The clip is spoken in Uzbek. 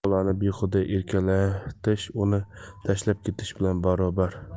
bolani bexuda erkalatish uni tashlab ketish bilan barobar